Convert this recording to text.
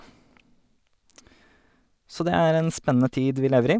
Så det er en spennende tid vi lever i.